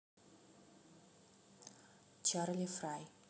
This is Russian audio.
чарли фрай